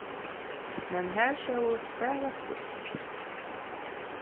men har sóust bara skýggj